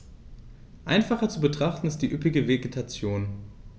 Einfacher zu betrachten ist die üppige Vegetation.